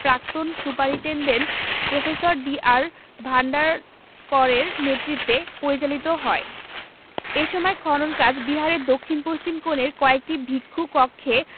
প্রাক্তন superintendent professor D R ভান্ডারকরের নেতৃত্বে পরিচালিত হয় এ সময়ে খনন কাজ বিহারের দক্ষিণ পশ্চিম কোণের কয়েকটি ভিক্ষু কক্ষে